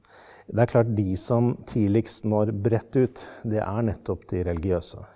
det er klart de som tidligst når bredt ut det er nettopp de religiøse.